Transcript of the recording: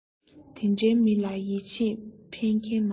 དེ འདྲའི མི ལ ཡིད ཆེས ཕན མཁན མང